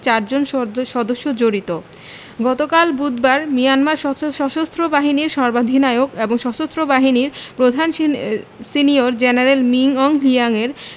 চারজন সদস্য জড়িত গতকাল বুধবার মিয়ানমার সশস্ত্র বাহিনীর সর্বাধিনায়ক ও সশস্ত্র বাহিনীর প্রধান সিনিয়র জেনারেল মিন অং হ্লিয়াংয়ের